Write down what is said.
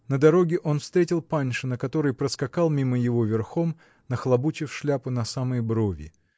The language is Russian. На дороге он встретил Паншина, который проскакал мимо его верхом, нахлобучив шляпу на самые брови.